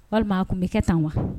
Walima a tun bɛ kɛ tan wa?